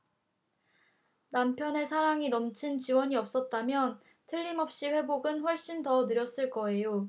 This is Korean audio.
남편의 사랑 넘친 지원이 없었다면 틀림없이 회복은 훨씬 더 느렸을 거예요